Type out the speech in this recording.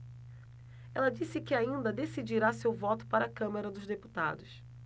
ela disse que ainda decidirá seu voto para a câmara dos deputados